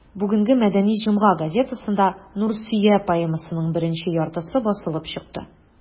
Бүгенге «Мәдәни җомга» газетасында «Нурсөя» поэмасының беренче яртысы басылып чыкты.